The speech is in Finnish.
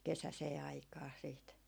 kesäiseen aikaan sitten